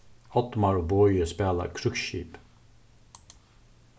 oddmar og bogi spæla krígsskip